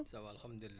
ça va alhamdulilah